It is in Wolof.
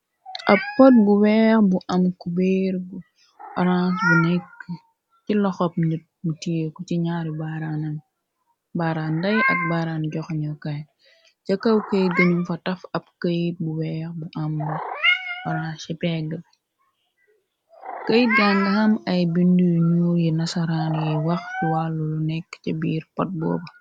ab pot bu weex bu am ku beer bu orange bu nekk ci loxob nët mu tieku ci ñaari baran nday ak baaran joxe ño kaay ca kaw këyt gañum fa taf ab këyït bu weex bu am bu orangi pegg bi këyit gang am ay bind yu ñuur yi nasaraan yiy wax ci wàll lu nekk ca biir pot booba